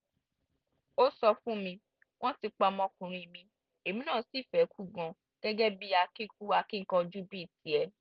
Ó sọ fún mi: "Wọ́n ti pa ọmọkùnrin mi, èmi nàá sì fẹ́ kú gan, gẹ́gẹ́ bíi akíkú-akíkanjú, bíi tiẹ̀.